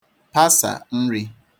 pasà nri